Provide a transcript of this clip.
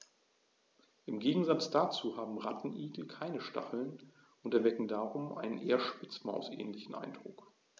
Im Gegensatz dazu haben Rattenigel keine Stacheln und erwecken darum einen eher Spitzmaus-ähnlichen Eindruck.